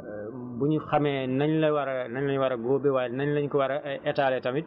bu ñu xamee nañ la war a nan la ñu war a góobee waaye it nan lañ ko war a étaler tamit